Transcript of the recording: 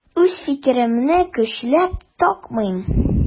Үз фикеремне көчләп такмыйм.